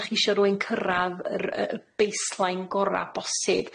Dach chi isio rwun cyrradd yr yy baseline gora bosib.